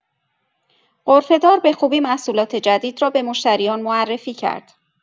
غرفه‌دار به خوبی محصولات جدید را به مشتریان معرفی کرد.